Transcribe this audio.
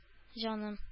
Җаным